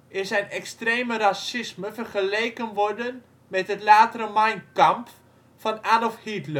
in zijn extreme racisme vergeleken worden met het latere Mein Kampf van Adolf Hitler. De